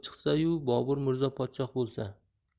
chiqsa yu bobur mirzo podshoh bo'lsa